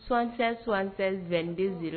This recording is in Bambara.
Son7 sonsan2den z